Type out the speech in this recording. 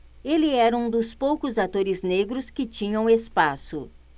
ele era um dos poucos atores negros que tinham espaço